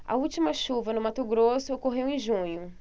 a última chuva no mato grosso ocorreu em junho